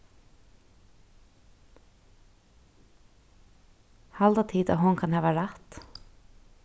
halda tit at hon kann hava rætt